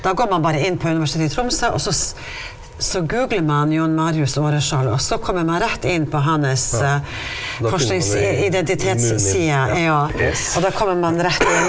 da går man bare inn på Universitetet i Tromsø, og så så googler man Jon Marius Aareskjold, og så kommer man rett inn på hans forskningsidentitetsside ja og da kommer man rett inn.